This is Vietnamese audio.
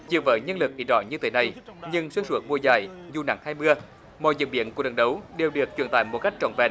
chiều với nhân lực thì gỏi như thế này nhưng xuyên xuốt mùa giải dù nắng hay mưa mọi diễn biến của trận đấu đều được truyền tải một cách trọn vẹn